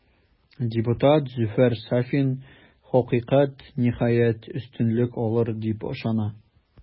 Депутат Зөфәр Сафин, хакыйкать, ниһаять, өстенлек алыр, дип ышана.